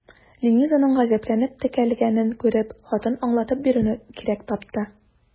Ленизаның гаҗәпләнеп текәлгәнен күреп, хатын аңлатып бирүне кирәк тапты.